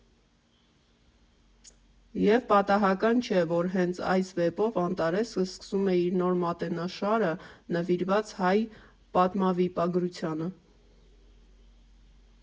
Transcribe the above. Եվ պատահական չէ, որ հենց այս վեպով «Անտարեսը» սկսում է իր նոր մատենաշարը՝ նվիրված հայ պատմավիպագրությանը։